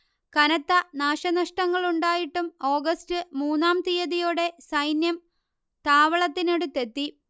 കനത്ത നാശനഷ്ടങ്ങളുണ്ടായിട്ടും ഓഗസ്റ്റ് മൂന്നാം തീയതിയോടെ സൈന്യം താവളത്തിനടുത്തെത്തി